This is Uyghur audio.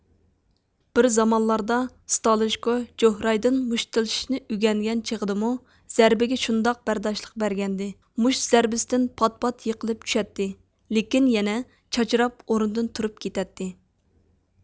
بىر زامانلاردا ستالىژكو جوھرايدىن مۇشتلىشىشنى ئۆگەنگەن چېغىدىمۇ زەربىگە شۇنداق بەرداشلىق بەرگەنىدى مۇشت زەربىسىدىن پات پات يىقىلىپ چۈشەتتى لېكىن يەنە چاچراپ ئورنىدىن تۇرۇپ كېتەتتى